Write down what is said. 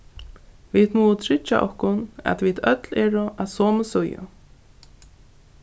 vit mugu tryggja okkum at vit øll eru á somu síðu